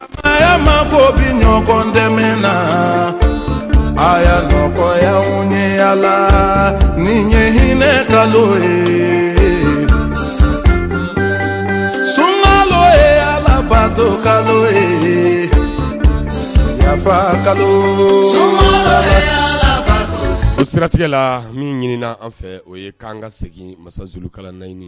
A mago ko bi ɲɔgɔn dɛmɛ na a y' yalɔkɔ yan ɲɛ yalala nin ɲɛ hinɛda ye suman ye yalala bato ka n yefa kalo yalala siratigɛ la min ɲini an fɛ o ye k'an ka segin masasiwkala naɲini